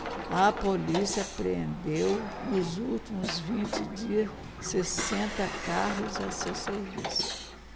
a polícia apreendeu nos últimos vinte dias sessenta carros a seu serviço